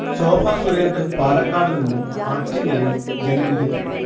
ശോഭസുരേന്ദ്രൻ പാലക്കാട് നിന്നും ആറ്റിങ്ങലിൽ ജനവിധി തേടും